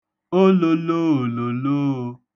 olōlōòlòoō